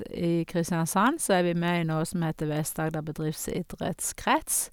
I Kristiansand så er vi med i noe som heter Vest-Agder bedriftsidrettskrets.